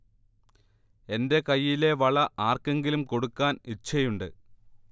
എന്റെ കൈയിലെ വള ആർക്കെങ്കിലും കൊടുക്കാൻ ഇച്ഛയുണ്ട്